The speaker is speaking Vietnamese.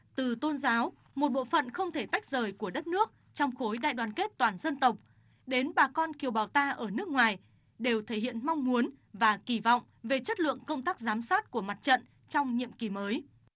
từ tôn giáo một bộ phận không thể tách rời của đất nước trong khối đại đoàn kết toàn dân tộc đến bà con kiều bào ta ở nước ngoài đều thể hiện mong muốn và kỳ vọng về chất lượng công tác giám sát của mặt trận trong nhiệm kỳ mới